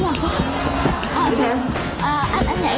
bị sao